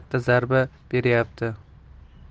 katta zarba beryapti